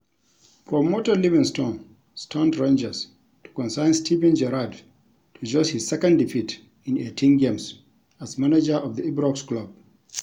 Promoted Livingston stunned Rangers to consign Steven Gerrard to just his second defeat in 18 games as manager of the Ibrox club.